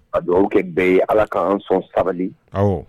Ka duwɔwu kɛ bɛɛ ye Ala ka an sɔn sabali, awɔ